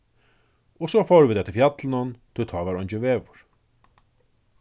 og so fóru vit eftir fjallinum tí tá var eingin vegur